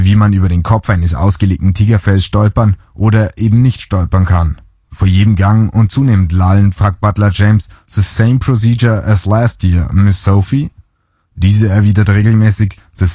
man über den Kopf eines ausgelegten Tigerfells stolpern - oder eben nicht stolpern - kann. Vor jedem Gang und zunehmend lallend fragt Butler James: “The same procedure as last year, Miss Sophie?” Diese erwidert regelmäßig: “The same